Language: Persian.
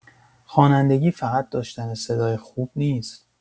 خوانندگی فقط داشتن صدای خوب نیست.